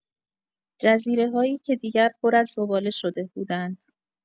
جزیره‌هایی که دیگر پر از زباله شده بودند.